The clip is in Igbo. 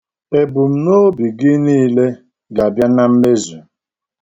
Ebumnobi gị niile ga-abịa na mmezu.